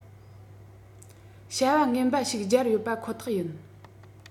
བྱ བ ངན པ ཞིག སྦྱར ཡོད པ ཁོ ཐག ཡིན